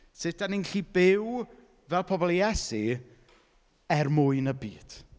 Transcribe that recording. Sut dan ni'n gallu byw fel pobl i Iesu er mwyn y byd.